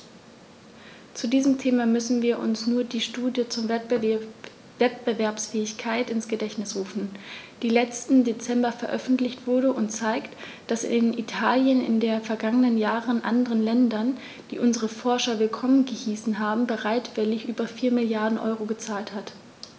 Zu diesem Thema müssen wir uns nur die Studie zur Wettbewerbsfähigkeit ins Gedächtnis rufen, die letzten Dezember veröffentlicht wurde und zeigt, dass Italien in den vergangenen Jahren anderen Ländern, die unsere Forscher willkommen geheißen haben, bereitwillig über 4 Mrd. EUR gezahlt hat.